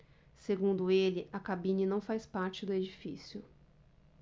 segundo ele a cabine não faz parte do edifício